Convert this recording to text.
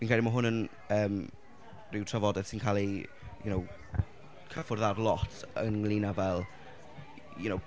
Fi'n credu mae hwn yn, yym ryw trafodaeth sy'n cael ei you know cyffwrdd ar lot ynglŷn â fel you know...